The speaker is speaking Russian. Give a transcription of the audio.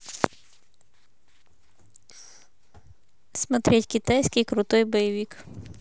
смотреть китайский крутой боевик